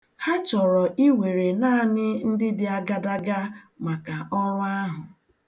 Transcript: Ha chọrọ i were naanị ndị dị agadaga maka ọrụ ahụ.